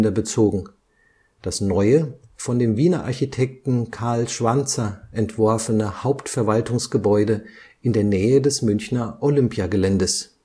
bezogen, das neue, von dem Wiener Architekten Karl Schwanzer entworfene Hauptverwaltungsgebäude in der Nähe des Münchener Olympiageländes